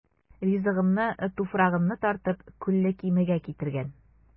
Ризыгыммы, туфрагыммы тартып, Күлле Кимегә китергән.